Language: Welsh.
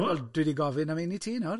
Wel, dwi di gofyn am un i ti nawr.